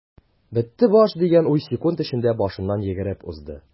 "бетте баш” дигән уй секунд эчендә башыннан йөгереп узды.